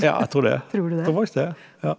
ja jeg tror det tror faktisk det ja.